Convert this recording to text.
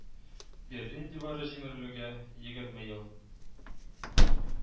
Берлин дивары җимерелүгә егерме ел